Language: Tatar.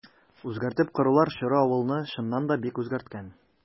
Үзгәртеп корулар чоры авылны, чыннан да, бик үзгәрткән.